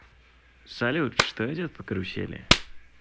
салют что идет по карусели